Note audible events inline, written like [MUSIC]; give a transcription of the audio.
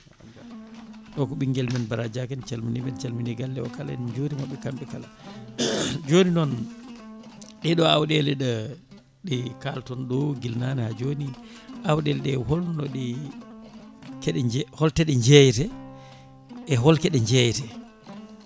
o ko ɓinguel men Bara Dia en calminimo en calmini galle o kala en jurimaɓe kamɓe kala joni noon ɗeɗo awɗele ɗe kalton ɗo guila nane ha joni awɗele holnoɗe keeɗe [HESITATION] holtoɗe jeeyete e holkoɗe jeyete